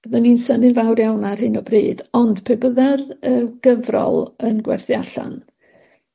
bydden i'n synnu'n fawr iawn ar hyn o bryd, ond pe bydda'r yy gyfrol yn gwerthu allan